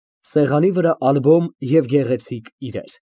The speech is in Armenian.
Սեղանի վրա ալբոմ և գեղեցիկ իրեր։